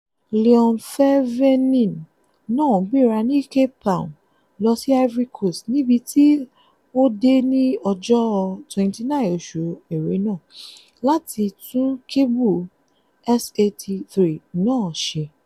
Leon Thevenin náà gbéra ní Cape Town lọ sí Ivory Coast, níbi tí ó dé ní ọjọ́ 29 oṣù Ẹrẹ́nà láti tún kébù SAT-3 náà ṣe.